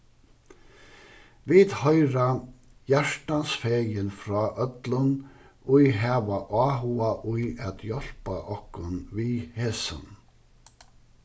vit hoyra hjartans fegin frá øllum ið hava áhuga í at hjálpa okkum við hesum